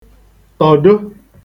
tọ̀do